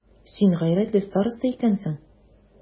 Син гайрәтле староста икәнсең.